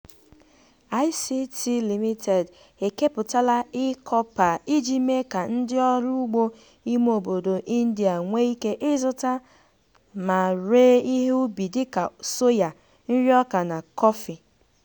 ITC Limited ekepụtala E-Choupal iji mee ka ndịọrụ ugbo ime obodo India nwee ike ịzụta na ree ihe ubi dịka soya, nriọka, na kọfị.